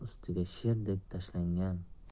ustiga sherdek tashlangan